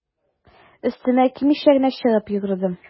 Өстемә кимичә генә чыгып йөгердем.